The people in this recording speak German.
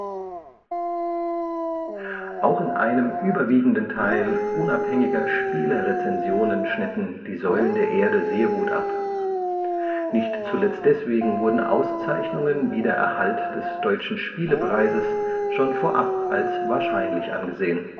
Auch in einem überwiegenden Teil unabhängiger Spielerezensionen schnitten Die Säulen der Erde sehr gut ab. Nicht zuletzt deswegen wurden Auszeichnungen wie der Erhalt des Deutschen Spielepreises schon vorab als wahrscheinlich angesehen